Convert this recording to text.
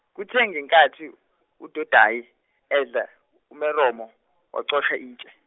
kuthe ngenkathi, uDodayi, edla, uMeromo, wacosha itshe.